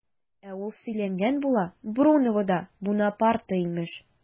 Ә ул сөйләнгән була, Бруновода Бунапарте имеш!